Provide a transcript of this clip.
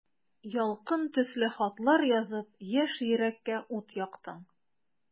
Ялкын төсле хатлар язып, яшь йөрәккә ут яктың.